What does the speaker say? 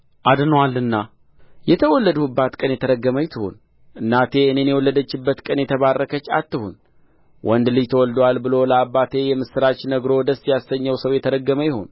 አድኖአልና የተወለድሁባት ቀን የተረገመች ትሁን እናቴ እኔን የወለደችባት ቀን የተባረከች አትሁን ወንድ ልጅ ተወልዶልሃል ብሎ ለአባቴ የምሥራች ነግሮ ደስ ያሰኘው ሰው የተረገመ ይሁን